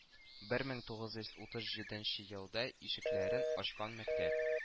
Бер мең тугыз йөз утыз җиденче елда ишекләрен ачкан мәктәп